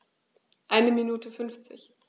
Eine Minute 50